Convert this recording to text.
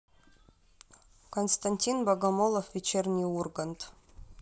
константин богомолов вечерний ургант